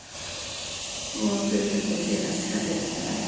Og trur vi kjem til å trives veldig godt med det.